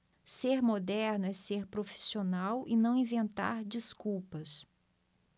ser moderno é ser profissional e não inventar desculpas